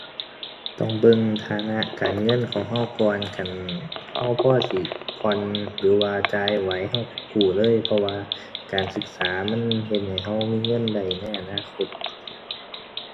ต้องเบิ่งฐานะการเงินของเราก่อน คันเราพอสิผ่อนหรือว่าจ่ายไหว เราเรากู้เลย เพราะว่าการศึกษามันเฮ็ดให้เรามีเงินได้ในอนาคต